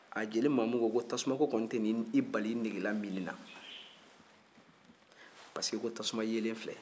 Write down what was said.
jeli mamu ko ko tasumako kɔni tɛ na i bali i negela minni na parce que ko tasuma yelen filɛ